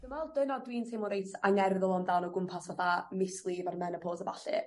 Dwi me'wl dwi me'wl dwi'n teimlo reit angerddol amdan o gwmpas fatha mislif a'r menopos a ballu